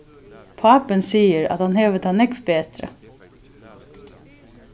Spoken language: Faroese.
pápin sigur at hann hevur tað nógv betri